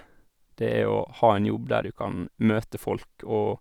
Det er å ha en jobb der du kan møte folk og...